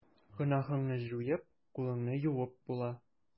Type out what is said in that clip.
Гөнаһыңны җуеп, кулыңны юып була.